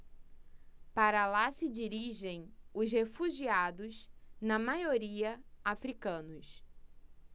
para lá se dirigem os refugiados na maioria hútus